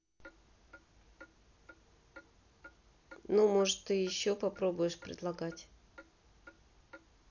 ну может ты еще попробуешь предлагать